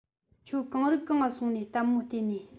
ཁྱོད གང རིགས གང ང སོང ངས ལྟད མོ བལྟས ནིས